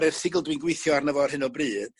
yr erthygl dwi'n gweithio arno fo ar hyn o bryd